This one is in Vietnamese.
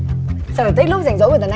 sở thích lúc rảnh rỗi